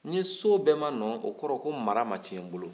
n ye so bɛɛ manɔ o kɔrɔ ye ko mara ma tiɲɛ n bolo